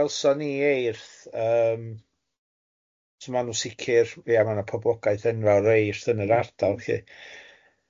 Welson ni eirth yym so maen nhw'n sicr ie ma' yna poblogaeth enfawr eirth yn yr ardal lly.